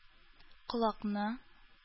Колакны